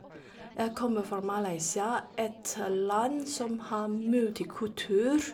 Jeg kommer fra Malaysia, et land som har multikultur.